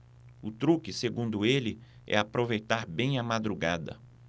o truque segundo ele é aproveitar bem a madrugada